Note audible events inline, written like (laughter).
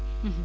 (hesitation) (hesitation)